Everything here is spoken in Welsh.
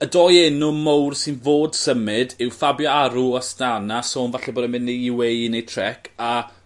Y doi enw mowr sy'n fod symud yw Fabio Aru o Astana son falle bod e myn' i You Ee Ai neu i Trek a